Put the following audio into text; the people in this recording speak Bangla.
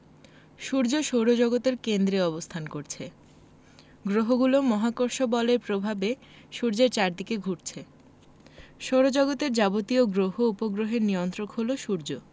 সূর্য সৌরজগতের কেন্দ্রে অবস্থান করছে গ্রহগুলো মহাকর্ষ বলের প্রভাবে সূর্যের চারদিকে ঘুরছে সৌরজগতের যাবতীয় গ্রহ উপগ্রহের নিয়ন্ত্রক হলো সূর্য